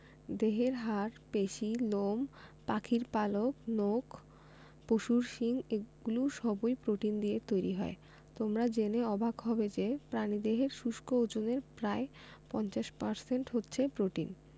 দেহের হাড় পেশি লোম পাখির পালক নখ পশুর শিং এগুলো সবই প্রোটিন দিয়ে তৈরি হয় তোমরা জেনে অবাক হবে প্রাণীদেহের শুষ্ক ওজনের প্রায় ৫০% হচ্ছে প্রোটিন